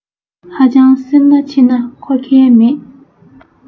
ཧ ཅང སེར སྣ ཆེ ན འཁོར མཁན མེད